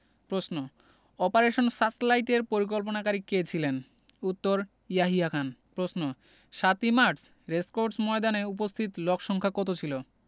প্রশ্ন অপারেশন সার্চলাইটের পরিকল্পনাকারী কে ছিল উত্তর ইয়াহিয়া খান প্রশ্ন ৭ই মার্চ রেসকোর্স ময়দানে উপস্থিত লোকসংক্ষা কত ছিলো